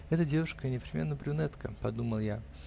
"Это девушка, и непременно брюнетка", -- подумал я.